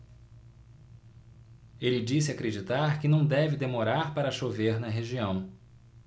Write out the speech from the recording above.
ele disse acreditar que não deve demorar para chover na região